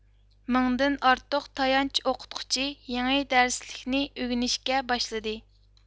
مىڭدىن ئارتۇق تايانچ ئوقۇتقۇچى يېڭى دەرسلىكنى ئۆگىنىشكە باشلىدى